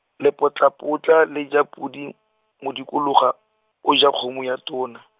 lepotlapotla le ja podi, modikologa, o ja kgomo ya tona.